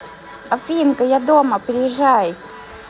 afinka я дома приезжай